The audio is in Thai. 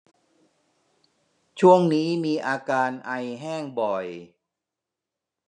ช่วงนี้มีอาการไอแห้งบ่อย